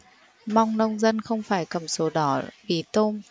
mong nông dân không phải cầm sổ đỏ vì tôm